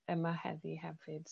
yma heddi hefyd.